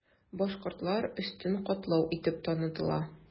Башкортлар өстен катлау итеп танытыла.